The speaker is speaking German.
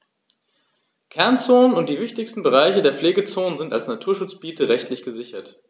Kernzonen und die wichtigsten Bereiche der Pflegezone sind als Naturschutzgebiete rechtlich gesichert.